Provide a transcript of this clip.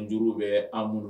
Jeliw bɛ an mamudu